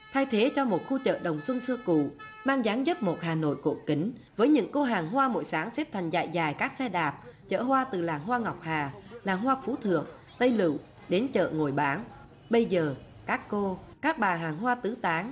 thay thế cho một khu chợ đồng xuân xưa cụ mang dáng dấp một hà nội cộ kính với những cô hàng hoa buổi sáng xếp thành dãy dài các xe đạp chở hoa từ làng hoa ngọc hà làng hoa phú thượng tây lựu đến chợ ngồi bán bây giờ các cô các bà hàng hoa tứ tán